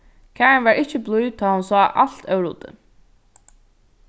karin var ikki blíð tá hon sá alt óruddið